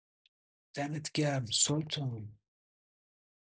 دمت گرم سلطان